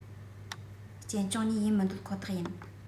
གཅེན གཅུང གཉིས ཡིན མི འདོད ཁོ ཐག ཡིན